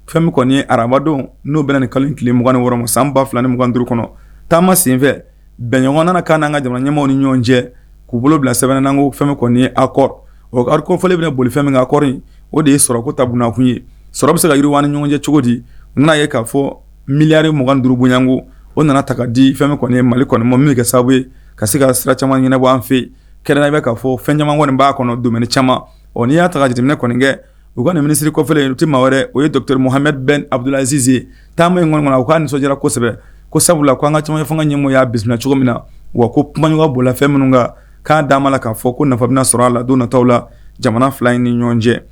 Fɛn kɔni arabadenw n'u bɛna nin kalo tile 22 wɔɔrɔma san 2 20in ɲɔgɔn d kɔnɔ taamama senfɛ bɛn ɲɔgɔn na kan'an ka jamana ɲɛw ni ɲɔgɔn cɛ k'u bolo bila sɛbɛnnananko fɛn kɔni ye a kɔrɔ o karifɔ fɔli bɛna boli fɛn min kɔrɔɔri o de ye sɔrɔko tabuunakun ye sɔrɔ bɛ se ka yiriwa ni ɲɔgɔn cɛ cogo di u bɛnaa ye k kaa fɔ miyariugan duuruuru bonyayanko o nana taga ka di fɛn kɔni mali kɔnima min kɛ sababu ka se ka sira caman ɲɛnabɔ an fɛ kɛrɛn bɛ ka fɔ fɛn camanmɔgɔin' kɔnɔ don caman o n'i y'a ta jamana kɔni kɛ u ka minisiririfilɛ yeurtima wɛrɛ o ye dotem muhamɛ bɛn abudulasizsee taama in kɔni min na u k' ka nisɔndi kosɛbɛ ko sabula k'an ka ca ye fanga ɲɛmɔgɔ y'a bisimilainana cogo min na wa ko kumaɲɔgɔn bolola fɛn minnu kan k' d'a ma la k'a fɔ ko nafa sɔrɔ a la don natatɔ la jamana fila in ni ɲɔgɔn cɛ